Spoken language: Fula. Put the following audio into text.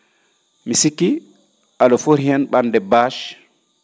mi sikki ano fori heen ?a?de bache